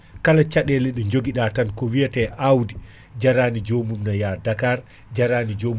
kala caɗele ɗe jooguiɗa tan ko wiyate awdi jarani jomum ne ya Dakar jarani jomum